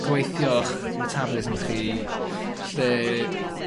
gweithioch metabolism chi lle